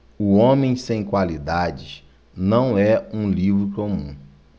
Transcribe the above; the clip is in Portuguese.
o homem sem qualidades não é um livro comum